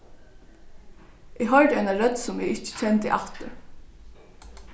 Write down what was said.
eg hoyrdi eina rødd sum eg ikki kendi aftur